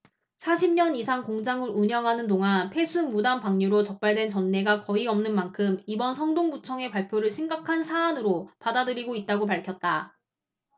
사십 년 이상 공장을 운영하는 동안 폐수 무단 방류로 적발된 전례가 거의 없는 만큼 이번 성동구청의 발표를 심각한 사안으로 받아들이고 있다고 밝혔다